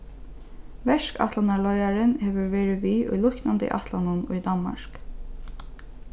verkætlanarleiðarin hevur verið við í líknandi ætlanum í danmark